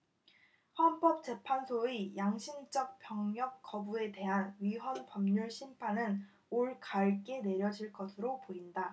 헌법재판소의 양심적 병역거부에 대한 위헌 법률심판은 올가을께 내려질 것으로 보인다